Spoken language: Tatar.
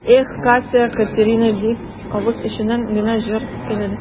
Эх, Катя-Катерина дип, авыз эченнән генә җыр көйләде.